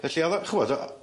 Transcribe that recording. Felly o'dd o ch'mod o-...